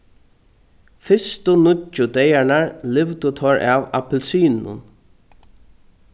fyrstu níggju dagarnar livdu teir av appilsinum